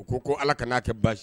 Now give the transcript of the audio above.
U ko ko Allah kana n'a kɛ basi